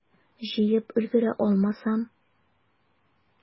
Җыеп өлгерә алмасам?